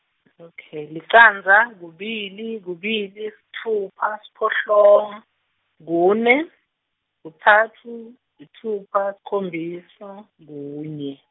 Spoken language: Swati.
okay, licandza, kubili, kubili, sitfupha, siphohlongo, kune, kutsatfu, sitsupha, sikhombisa, kunye.